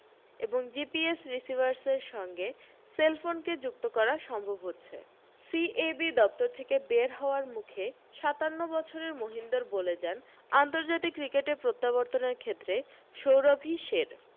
এবং জিপিএস রিসিভার্সের সঙ্গে সেলফোনকে যুক্ত করা সম্ভব হচ্ছে সিএবি দপ্তর থেকে বের হওয়ার মুখে সাতান্ন বছরের মহিন্দর বলে যান আন্তর্জাতিক ক্রিকেটে প্রত্যাবর্তনের ক্ষেত্রে সৌরভি শের